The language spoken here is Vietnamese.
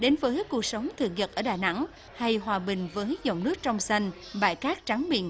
đến với cuộc sống thường nhật ở đà nẵng hay hòa mình với dòng nước trong xanh bãi cát trắng mịn